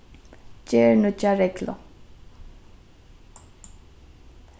ger nýggja reglu